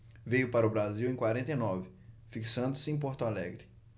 veio para o brasil em quarenta e nove fixando-se em porto alegre